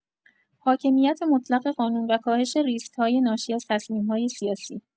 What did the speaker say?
حاکمیت مطلق قانون و کاهش ریسک‌های ناشی از تصمیم‌های سیاسی